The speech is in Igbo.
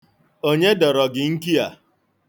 Onye dọrọ gị nki a?